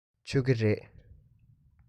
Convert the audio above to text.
ཟ ཀི རེད